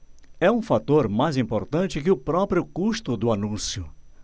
é um fator mais importante que o próprio custo do anúncio